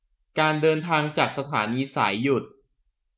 การเดินทางจากสถานีสายหยุด